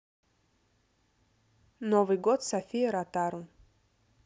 новый год софия ротару